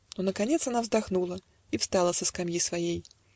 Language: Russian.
Х Но наконец она вздохнула И встала со скамьи своей